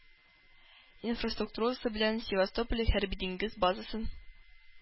Инфраструктурасы белән севастополь хәрбидиңгез базасын